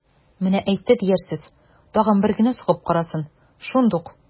Менә әйтте диярсез, тагын бер генә сугып карасын, шундук...